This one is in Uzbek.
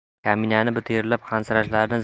kaminani bu terlab hansirashlardan